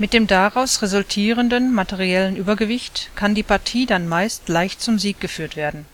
dem daraus resultierenden materiellen Übergewicht kann die Partie dann meist leicht zum Sieg geführt werden